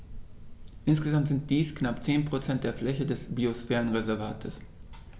Insgesamt sind dies knapp 10 % der Fläche des Biosphärenreservates.